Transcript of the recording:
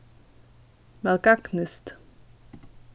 væl gagnist